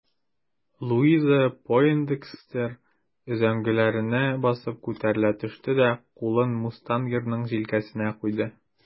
Луиза Пойндекстер өзәңгеләренә басып күтәрелә төште дә кулын мустангерның җилкәсенә куйды.